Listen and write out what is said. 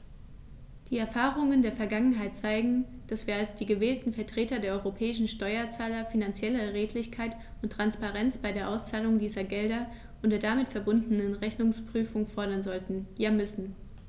Die Erfahrungen der Vergangenheit zeigen, dass wir als die gewählten Vertreter der europäischen Steuerzahler finanzielle Redlichkeit und Transparenz bei der Auszahlung dieser Gelder und der damit verbundenen Rechnungsprüfung fordern sollten, ja müssen.